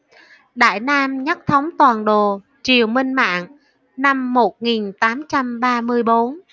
đại nam nhất thống toàn đồ triều minh mạng năm một nghìn tám trăm ba mươi bốn